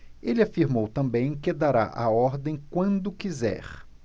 ele afirmou também que dará a ordem quando quiser